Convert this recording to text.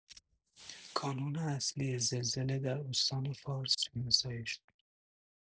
کانون اصلی زلزله در استان فارس شناسایی شد.